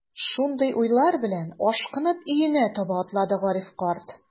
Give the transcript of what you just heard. Шундый уйлар белән, ашкынып өенә таба атлады Гариф карт.